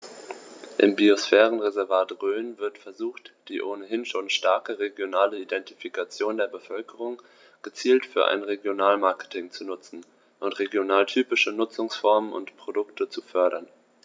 Im Biosphärenreservat Rhön wird versucht, die ohnehin schon starke regionale Identifikation der Bevölkerung gezielt für ein Regionalmarketing zu nutzen und regionaltypische Nutzungsformen und Produkte zu fördern.